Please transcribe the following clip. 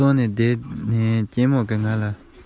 འུར འུར ཟིང ཟིང གིས